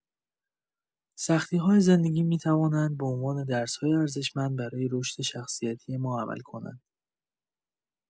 سختی‌های زندگی می‌توانند به عنوان درس‌های ارزشمند برای رشد شخصیتی ما عمل کنند.